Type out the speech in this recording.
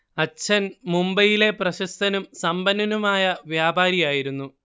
അച്ഛൻ മുംബൈയിലെ പ്രശസ്തനും സമ്പന്നനുമായ വ്യാപാരിയായിരുന്നു